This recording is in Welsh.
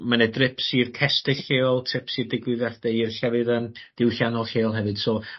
ma' 'ne drips i'r cestyll lleol trips i'r digwyddide i'r llefydd yym diwylliannol lleol hefyd so